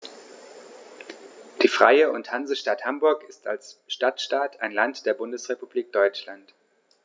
Die Freie und Hansestadt Hamburg ist als Stadtstaat ein Land der Bundesrepublik Deutschland.